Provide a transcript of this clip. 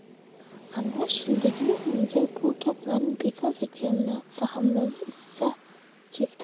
anvar shundagina unga bu gaplarni bekor aytganini fahmlab izza chekdi